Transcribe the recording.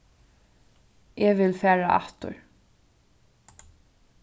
eg vil fara aftur